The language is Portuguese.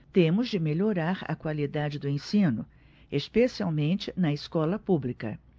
temos de melhorar a qualidade do ensino especialmente na escola pública